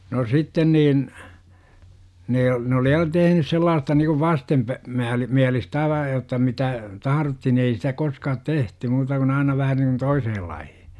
no sitten niin ne ne oli ja tehnyt sellaista niin kuin -- vastenmielistä aivan jotta mitä tahdottiin niin ei sitä koskaan tehty muuta kuin aina vähän niin kuin toiselle lailla